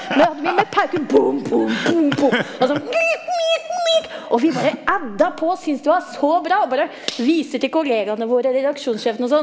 men hadde vi med bom bom bom bom også , og vi bare adda på og syns det var så bra og bare viser til kollegaene våre, redaksjonssjefen og sånn.